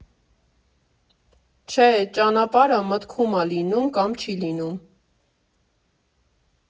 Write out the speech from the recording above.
Չէ, էդ ճանապարհը մտքում ա լինում կամ չի լինում։